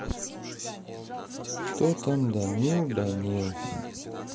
кто там данил данил